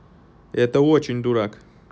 это очень дурак